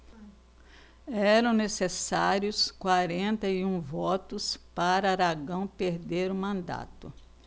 eram necessários quarenta e um votos para aragão perder o mandato